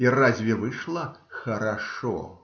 И разве вышло "хорошо"?